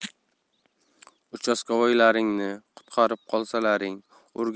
'uchastkavoy'laringni qutqarib qolsalaring urgani